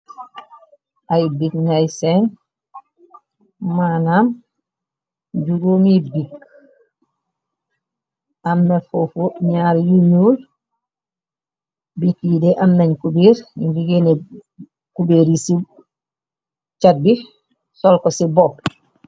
Ay bik ngay seen manam jugóomi bik amna fofu ñaar yu ñuul bi tiide am nañ kubier ni biggeene kubeer yi ci cat bi solko ci bopp.